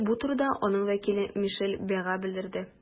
Бу турыда аның вәкиле Мишель Бега белдерде.